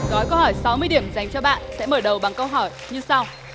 gói câu hỏi sáu mươi điểm dành cho bạn sẽ mở đầu bằng câu hỏi như sau